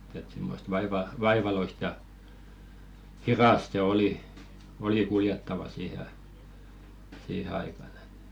että semmoista - vaivalloista ja hidasta se oli oli kuljettava siihen - siihen aikaan että